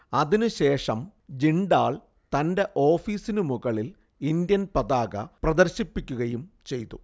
അതിനു ശേഷം ജിണ്ടാൽ തന്റെ ഓഫീസിനു മുകളിൽ ഇന്ത്യൻ പതാക പ്രദർശിപ്പിക്കുകയും ചെയ്തു